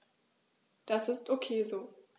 Das ist ok so.